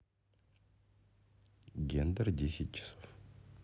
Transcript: гендер десять часов